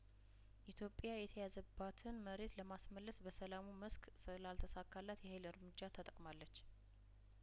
ኢትዮጵያ የተያዘባትን መሬት ለማስመለስ በሰላሙ መስክ ስላልተሳካላት የሀይል እርምጃ ተጠቅማለች